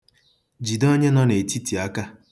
Jide onye nọ n'etiti aka.